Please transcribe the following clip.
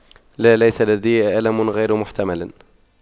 لا ليس لدي ألم غير محتمل